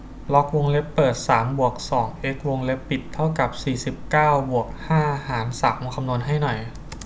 ล็อกวงเล็บเปิดสามบวกสองเอ็กซ์วงเล็บปิดเท่ากับสี่สิบเก้าบวกห้าหารสามคำนวณให้หน่อย